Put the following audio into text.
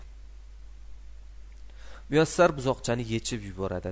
muyassar buzoqchani yechib yuboradi